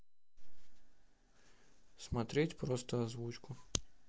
смотреть просто озвучку